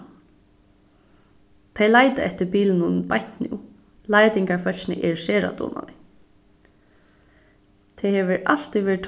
tey leita eftir bilinum beint nú leitingarfólkini eru sera dugnalig tað hevur altíð verið